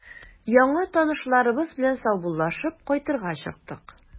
Яңа танышларыбыз белән саубуллашып, кайтырга чыктык.